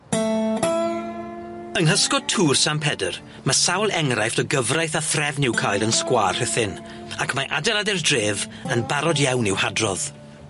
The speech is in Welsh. Yng nghysgod Tŵr San Peder, ma' sawl enghraifft o gyfraith a threfn i'w cael yn sgwâr Rhuthun ac mae adeilade'r dref yn barod iawn i'w hadrodd.